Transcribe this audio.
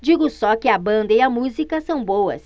digo só que a banda e a música são boas